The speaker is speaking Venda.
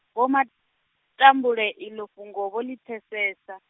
Vho Matambule, iḽo fhungo vho ḽi pfesesa.